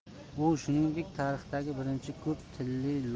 u shuningdek tarixdagi birinchi ko'p tilli